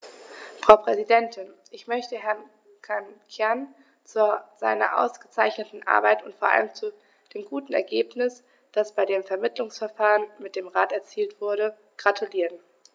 Frau Präsidentin, ich möchte Herrn Cancian zu seiner ausgezeichneten Arbeit und vor allem zu dem guten Ergebnis, das bei dem Vermittlungsverfahren mit dem Rat erzielt wurde, gratulieren.